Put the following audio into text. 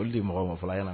O de mɔgɔ ɲɛna